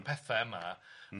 y pethau yma m-hm.